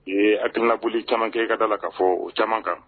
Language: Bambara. Ee a tɛnainaolili caman kɛ ka taa la k kaa fɔ o caman kan